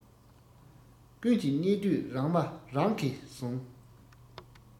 ཀུན གྱིས བརྙས དུས རང དཔའ རང གིས ཟུངས